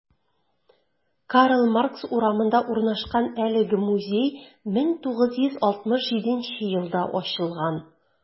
Карл Маркс урамында урнашкан әлеге музей 1967 елда ачылган.